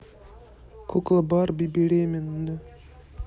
кукла барби беременна